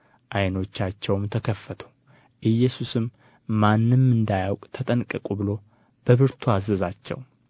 ዓይኖቻቸውም ተከፈቱ ኢየሱስም ማንም እንዳያውቅ ተጠንቀቁ ብሎ በብርቱ አዘዛቸው